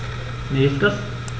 Nächstes.